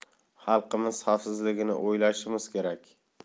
xalqimiz xavfsizligini o'ylashimiz kerak